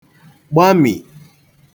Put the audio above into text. gbamì